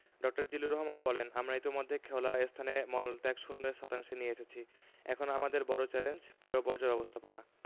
ড. বলেন জিল্লুর রহমান আমরা ইতিমধ্যে খোলা স্থানে মলত্যাগ শূন্য শতাংশে নিয়ে এসেছি এখন আমাদের বড় চ্যালেঞ্জ পয়ঃবর্জ্য ব্যবস্থাপনা